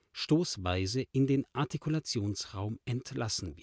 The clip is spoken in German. stoßweise in den Artikulationsraum entlassen